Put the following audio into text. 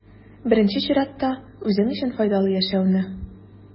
Беренче чиратта, үзең өчен файдалы яшәүне.